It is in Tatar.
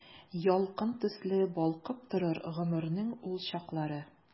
Ялкын төсле балкып торыр гомернең ул чаклары.